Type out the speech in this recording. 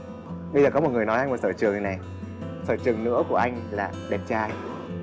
bây giờ có một người nói anh một sở trường này này sở trường nữa của anh là đẹp trai